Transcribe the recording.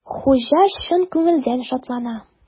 Хуҗа чын күңелдән шатлана.